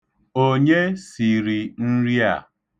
Onye siri nri a?